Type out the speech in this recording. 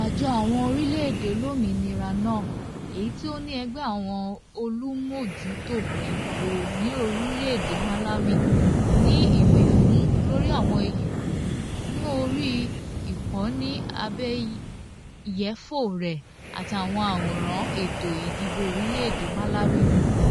Àjọ àwọn orílẹ̀ èdè olómìnira náà, èyí tí ó ní ẹgbẹ́ àwọn olùmójútó ìbò ní orílẹ̀ èdè Malawi, ní ìwífún lórí àwọn ìbò ní orí ìkànnì abẹ́yẹfò rẹ̀ àti àwọn àwòrán ètò ìdìbò orílẹ̀ èdè Malawi